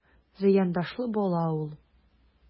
Зыяндашлы бала ул...